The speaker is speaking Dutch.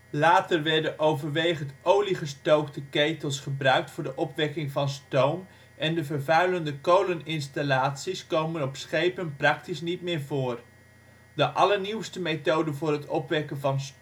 Later werden er overwegend olie-gestookte ketels gebruikt voor de opwekking voor stoom en de vervuilende kolen installaties komen op schepen praktisch niet meer voor De allernieuwste methode voor het opwekken van